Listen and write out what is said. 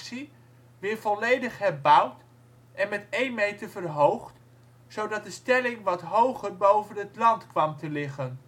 volledig herbouwd en met 1 meter verhoogd, zodat de stelling wat hoger boven het land kwam te liggen